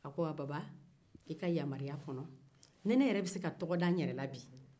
baba i ka yamaruya kɔnɔ ni ne yɛrɛ bɛ se ka tɔgɔ da n yɛrɛ la bi